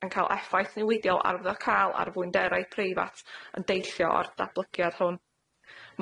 yn ca'l effaith niwidiol arwyddocaol ar fwynderau preifat yn deillio o'r datblygiad hwn.